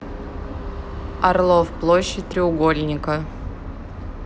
орлов площадь треугольника